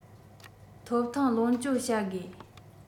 ཐོབ ཐང ལོངས སྤྱོད བྱ དགོས